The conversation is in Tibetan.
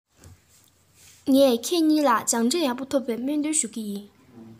ངས ཁྱེད གཉིས ལ སྦྱངས འབྲས ཡག པོ ཐོབ པའི སྨོན འདུན ཞུ གི ཡིན